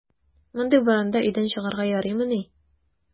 Мондый буранда өйдән чыгарга ярыймыни!